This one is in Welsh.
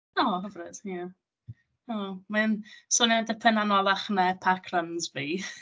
O, hyfryd. Ie. O, mae o'n swnio'n dipyn yn anoddach na park runs fi!